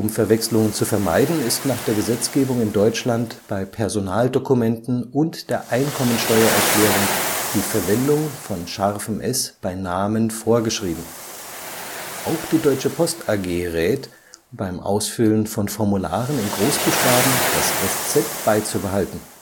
Verwechslungen zu vermeiden, ist nach der Gesetzgebung in Deutschland bei Personaldokumenten und der Einkommensteuererklärung die Verwendung von ß bei Namen vorgeschrieben. Auch die Deutsche Post AG rät, beim Ausfüllen von Formularen in Großbuchstaben das Eszett beizubehalten